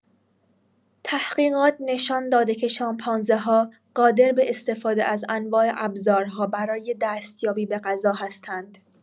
تحقیقات نشان داده که شامپانزه‌ها قادر به استفاده از انوع ابزارها برای دستیابی به غذا هستند.